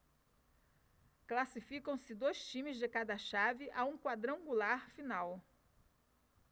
classificam-se dois times de cada chave a um quadrangular final